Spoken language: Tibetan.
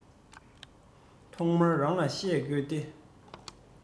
ཐོག མར རང ལ བཤད དགོས ཏེ